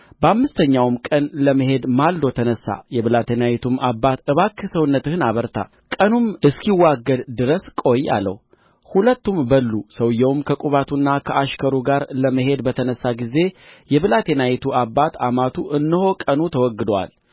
በአምስተኛውም ቀን ለመሄድ ማልዶ ተነሣ የብላቴናይቱም አባት እባክህ ሰውነትህን አበርታ ቀኑም እስኪዋገድ ድረስ ቆይ አለው ሁለቱም በሉ ሰውዮውም ከቁባቱና ከአሽከሩ ጋር ለመሄድ በተነሣ ጊዜ የብላቴናይቱ አባት አማቱ እነሆ ቀኑ ተዋግዶአል